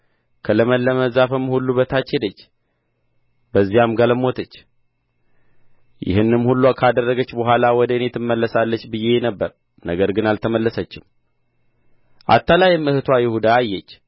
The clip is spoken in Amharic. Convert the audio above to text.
ከለመለመ ዛፍም ሁሉ በታች ሄደች በዚያም ጋለሞተች ይህንም ሁሉ ካደረገች በኋላ ወደ እኔ ትመለሳለች ብዬ ነበር ነገር ግን አልተመለሰችም አታላይ እኅትዋም ይሁዳ አየች